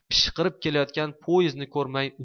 pishqirib kelayotgan poezdni ko'rmay